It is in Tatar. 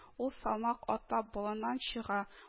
Ул салмак атлап болыннан чыга